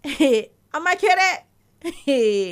Ee an ma kɛ dɛ